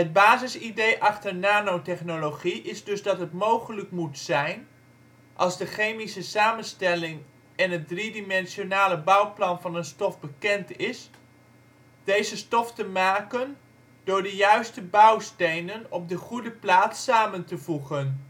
basisidee achter nanotechnologie is dus dat het mogelijk moet zijn, als de chemische samenstelling en het driedimensionale bouwplan van een stof bekend is, deze stof te maken door de juiste bouwstenen op de goede plaats samen te voegen